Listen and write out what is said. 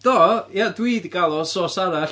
Do, ia, dwi 'di gael o o source arall.